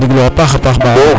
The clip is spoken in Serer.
ndigil o a paax a paax